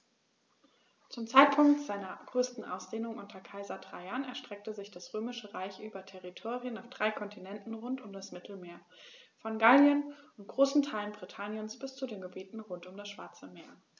Zum Zeitpunkt seiner größten Ausdehnung unter Kaiser Trajan erstreckte sich das Römische Reich über Territorien auf drei Kontinenten rund um das Mittelmeer: Von Gallien und großen Teilen Britanniens bis zu den Gebieten rund um das Schwarze Meer.